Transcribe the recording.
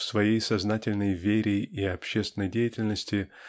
в своей сознательной вере и общественной деятельности